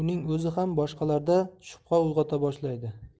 uning o'zi ham boshqalarda shubha uyg'ota boshlaydi